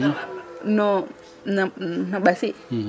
No no ɓasi,